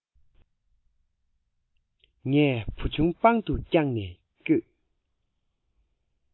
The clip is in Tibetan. ངས བུ ཆུང པང དུ བཀྱགས ནས བསྐྱོད